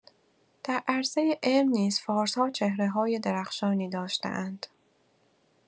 در عرصه علم نیز فارس‌ها چهره‌های درخشانی داشته‌اند.